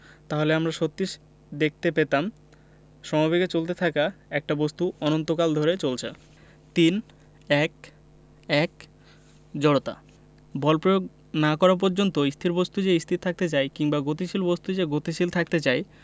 তাহলে আমরা সত্যিই দেখতে পেতাম সমবেগে চলতে থাকা একটা বস্তু অনন্তকাল ধরে চলছে ৩.১.১ জড়তা বল প্রয়োগ না করা পর্যন্ত স্থির বস্তু যে স্থির থাকতে চায় কিংবা গতিশীল বস্তু যে গতিশীল থাকতে চায়